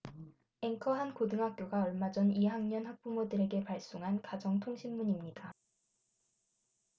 앵커 한 고등학교가 얼마 전 이 학년 학부모들에게 발송한 가정통신문입니다